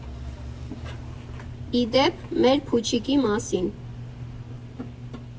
Ի դեպ, մեր փուչիկի մասին։